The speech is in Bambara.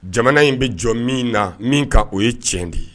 Jamana in bɛ jɔ min na min ka o ye tiɲɛ de ye